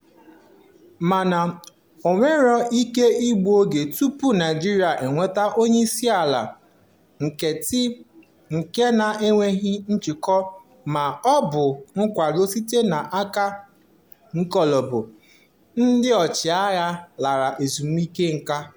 Mana o nwere ike igbu oge tupu Naịjirịa enweta onyeisiala nkịtị nke na-enweghị njikọ ma ọ bụ nkwado site n'aka "klọọbụ" ndị ọchịagha lara ezumike nka.